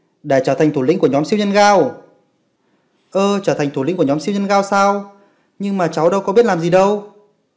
trở thành thủ lĩnh của nhóm siêu nhân gao trở thành thủ lĩnh sao nhưng mà cháu không biết làm